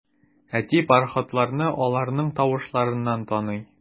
Әти пароходларны аларның тавышларыннан таный.